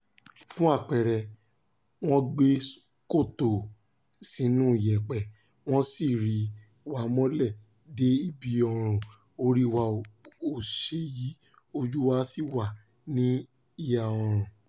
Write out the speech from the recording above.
Fún àpẹẹrẹ, wọ́n gbẹ́ kòtò sínú iyẹ̀pẹ̀, wọ́n sì rì wá mọ́lẹ̀ dé ibi ọrùn, orí wa ò ṣe é yí, ojú wa sì wà ní ìhà oòrùn.